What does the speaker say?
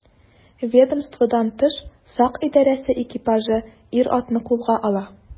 Ведомстводан тыш сак идарәсе экипажы ир-атны кулга ала.